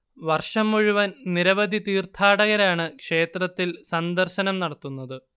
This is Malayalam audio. വർഷം മുഴുവൻ നിരവധി തീർത്ഥാടകരാണ് ക്ഷേത്രത്തിൻ സന്ദർശനം നടത്തുന്നത്